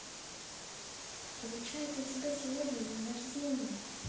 получается у тебя сегодня день рождения